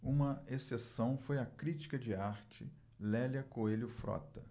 uma exceção foi a crítica de arte lélia coelho frota